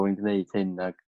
bo' fi'n gneud hyn ag